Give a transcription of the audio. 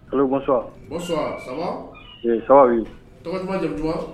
Allo bonsoir, bonsoir Ça va ? Ça va, oui. Tɔgɔ duman, jamu duman?